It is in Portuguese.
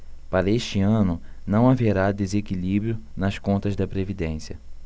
para este ano não haverá desequilíbrio nas contas da previdência